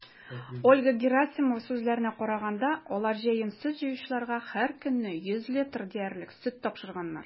Ольга Герасимова сүзләренә караганда, алар җәен сөт җыючыларга һәркөнне 100 литр диярлек сөт тапшырганнар.